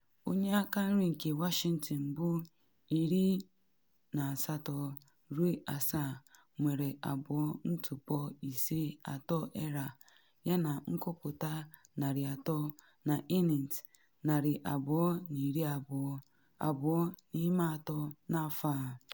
Onye akanri nke Washington bụ 18-7 nwere 2.53 ERA yana nkụpụta 300 na ịnịns 220 2/3 n’afo a.